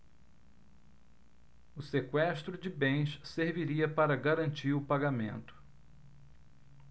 o sequestro de bens serviria para garantir o pagamento